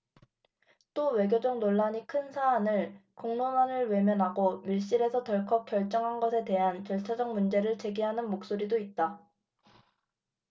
또 외교적 논란이 큰 사안을 공론화를 외면하고 밀실에서 덜컥 결정한 것에 대한 절차적 문제를 제기하는 목소리도 있다